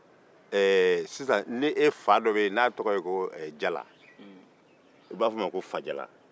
n'e fa do be yen n'a tɔgɔ ye ko jala u b'a fɔ a ma ko fajala